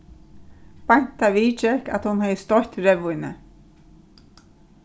beinta viðgekk at hon hevði stoytt reyðvínið